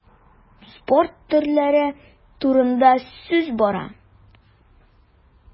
Спорт төрләре турында сүз бара.